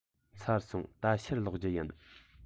ཚར སོང ད ཕྱིར ལོག རྒྱུ ཡིན